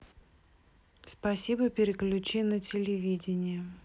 спасибо переключи на телевидение